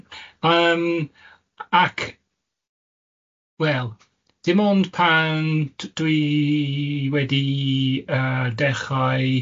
Yym ac, wel, dim ond pan d- dwi wedi yy dechrau